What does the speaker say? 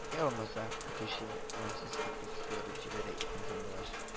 Йә булмаса, көтүче ямьсез итеп сызгырып җибәрә икән сандугач